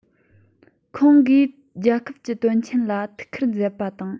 ཁོང གིས རྒྱལ ཁབ ཀྱི དོན ཆེན ལ ཐུགས ཁུར མཛད པ དང